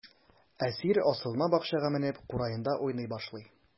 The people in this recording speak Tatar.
Әсир асылма бакчага менеп, кураенда уйный башлый.